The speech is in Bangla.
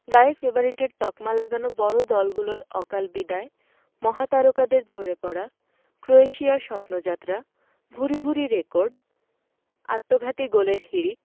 গায়ে ফেভারিটের তকমা লাগানো বড় দলগুলোর অকাল বিদায় মহাতারকাদের ঝরে পড়া ক্রোয়েশিয়ার স্বপ্নযাত্রা ভূরি ভূরি রেকর্ড আত্মঘাতী গোলের হিড়িক